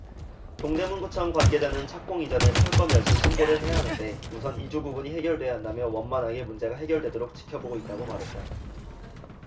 동대문구청 관계자는 착공 이전에 철거 멸실 신고를 해야 하는데 우선 이주 부분이 해결돼야 한다며 원만하게 문제가 해결되도록 지켜보고 있다고 말했다